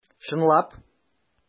Чынлап!